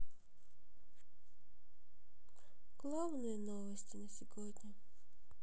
главные новости на сегодня